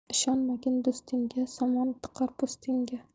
ishonmagin do'stingga somon tiqar po'stingga